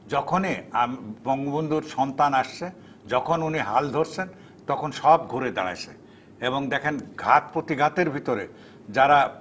যখনই বঙ্গবন্ধুর সন্তান আসছে যখন উনি হাল ধরছেন তখন সব ঘুরে দাঁড়িয়েছে এবং দেখেন ঘাত-প্রতিঘাতের ভেতরে যারা